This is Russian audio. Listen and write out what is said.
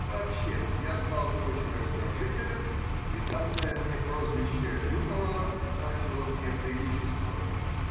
Вообще я стал очень раздражителен, и данное мне прозвище лютого начало мне приличествовать.